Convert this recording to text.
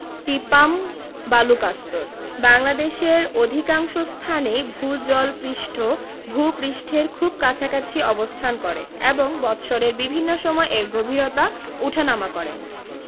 টিপাম বালুকাস্তর বাংলাদেশের অধিকাংশ স্থানেই ভূ জল পৃষ্ঠ ভূ পৃষ্ঠের খুব কাছাকাছি অবস্থান করে এবং বৎসরের বিভিন্ন সময় এর গভীরতা উঠানামা করে